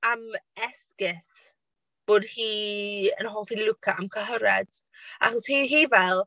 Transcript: Am esgus bod hi yn hoffi Luca am cyn hired. Achos hi hi fel...